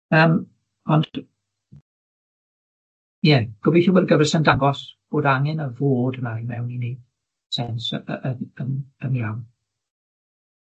Yym ond ie gobeithio bod y gyfres yn dangos bod angen y fod yna i mewn i neud sens y- y- yn yn yn iawn.